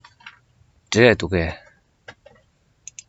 འབྲས འདུག གས